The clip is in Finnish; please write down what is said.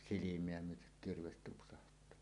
silmää myöten kirves tupsahtaa